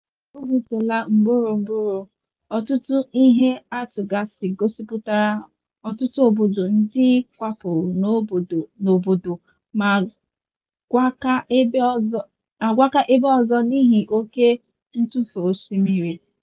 Dịka nwaafọ Ijipt, ọ hụtala ugboro ugboro, ọtụtụ iheatụ gasị gosipụtara ọtụtụ obodo ndị kwapụrụ n'obodo ma kwaga ebe ọzọ n'ihi oke ntofe osimiri.